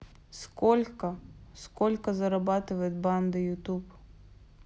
сколько сколько зарабатывает банда youtube